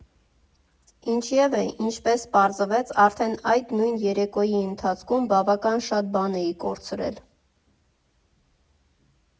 Ինչևէ, ինչպես պարզվեց արդեն այդ նույն երեկոյի ընթացքում, բավական շատ բան էի կորցրել։